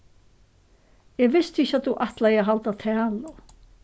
eg visti ikki at tú ætlaði at halda talu